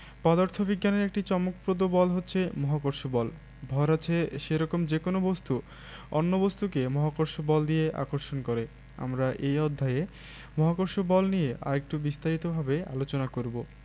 পদার্থবিজ্ঞানের একটি চমকপ্রদ বল হচ্ছে মহাকর্ষ বল ভর আছে সেরকম যেকোনো বস্তু অন্য বস্তুকে মহাকর্ষ বল দিয়ে আকর্ষণ করে আমরা এই অধ্যায়ে মহাকর্ষ বল নিয়ে আরেকটু বিস্তারিতভাবে আলোচনা করব